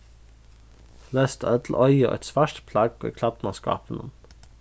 flest øll eiga eitt svart plagg í klædnaskápinum